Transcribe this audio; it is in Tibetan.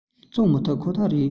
བཙོང མི ཐུབ ཁོ ཐག རེད